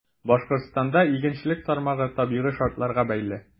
Башкортстанда игенчелек тармагы табигый шартларга бәйле.